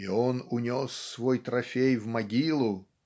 и "он унес свой трофей в могилу".